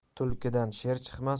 tulkidan sher chiqmas